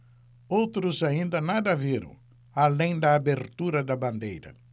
outros ainda nada viram além da abertura da bandeira